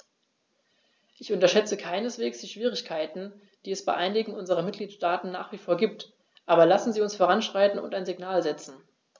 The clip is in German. Ich unterschätze keineswegs die Schwierigkeiten, die es bei einigen unserer Mitgliedstaaten nach wie vor gibt, aber lassen Sie uns voranschreiten und ein Signal setzen.